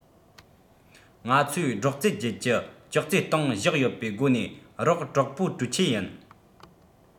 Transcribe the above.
ང ཚོས སྒྲོག ཙེ བརྒྱད བཅུ ཅོག ཙེའི སྟེང བཞག ཡོད པའི སྒོ ནས རོགས གྲོགས པོ གྲོས མཆེད ཡིན